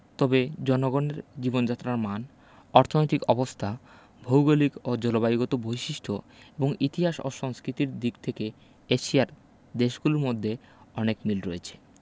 তবে জনগণের জীবনযাত্রার মান অর্থনৈতিক অবস্থা ভৌগলিক ও জলবায়ুগত বৈশিষ্ট্য এবং ইতিহাস ও সংস্কৃতির দিক থেকে এশিয়ার দেশগুলোর মধ্যে অনেক মিল রয়েছে